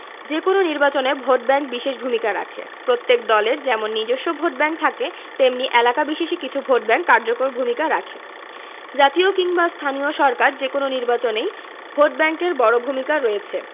যেকোনো নির্বাচনে ভোটব্যাংক বিশেষ ভূমিকা রাখে প্রত্যেক দলের যেমন নিজস্ব ভোটব্যাংক থাকে তেমনি এলাকা বিশেষে কিছু ভোটব্যাংক কার্যকর ভূমিকা রাখে জাতীয় কিংবা স্থানীয় সরকার যেকোনো নির্বাচনেই ভোটব্যাংকের বড় ভূমিকা রয়েছে